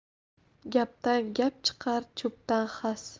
gapdan gap chiqar cho'pdan xas